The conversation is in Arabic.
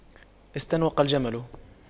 استنوق الجمل